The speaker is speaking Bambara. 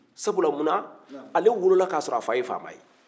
sabula munna ale wolola k'a sɔrɔ a fa ye faama ye